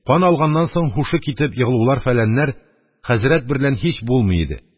Кан алганнан соң һушы китеп егылулар-фәләннәр хәзрәт берлән һич булмый иде.